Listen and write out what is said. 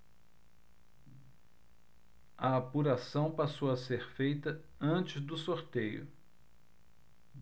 a apuração passou a ser feita antes do sorteio